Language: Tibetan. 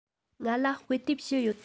ང ལ དཔེ དེབ བཞི ཡོད